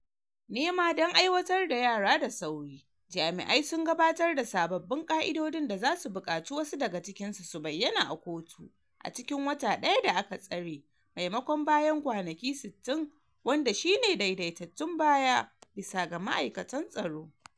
Nema don aiwatar da yara da sauri, jami'ai sun gabatar da sababbin ka'idodin da zasu bukaci wasu daga cikinsu su bayyana a kotu a cikin wata daya da aka tsare, maimakon bayan kwanaki 60, wanda shi ne daidaitattun baya, bisa ga ma'aikatan tsaro.